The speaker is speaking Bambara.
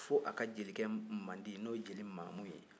fo a ka jelikɛ mandi n'o ye jeli maamu ye